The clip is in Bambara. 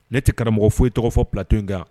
Ne tɛ karamɔgɔ fosi tɔgɔ fɔ, plateau in kan yan.